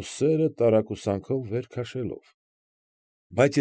ուսերը տարակուսանքով վեր քաշելով,֊ բայց։